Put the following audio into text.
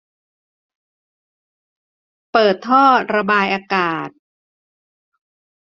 เปิดท่อระบายอากาศ